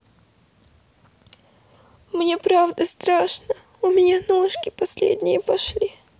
мне правда страшно у меня ножки последние пошли